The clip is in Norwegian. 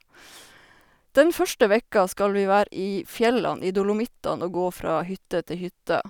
Den første vekka skal vi være i fjellene, i Dolomittene, og gå fra hytte til hytte.